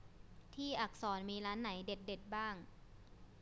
ที่อักษรมีร้านไหนเด็ดเด็ดบ้าง